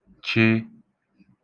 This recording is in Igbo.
ch